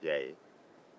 i y'a ye